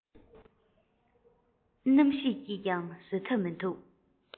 རྣམ ཤེས ཀྱིས ཀྱང བཟོད ཐབས མི འདུག